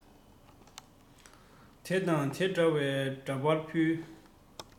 དེ དང དེ འདྲ བའི འདྲ པར ཕུད